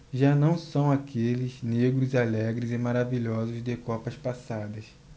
já não são aqueles negros alegres e maravilhosos de copas passadas